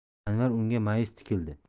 anvar unga ma'yus tikildi